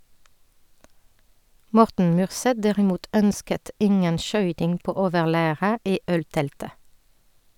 Morten Myrseth derimot, ønsket ingen skøyting på overlæret i ølteltet.